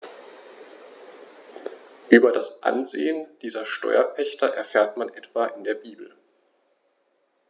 Über das Ansehen dieser Steuerpächter erfährt man etwa in der Bibel.